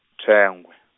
Thengwe.